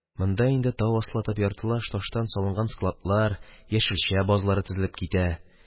Монда инде, тау аслатып, яртылаш таштан салынган складлар, яшелчә базлары тезелеп китә.